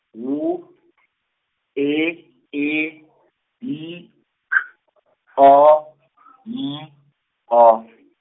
W , E, E , N, K , O, M, O.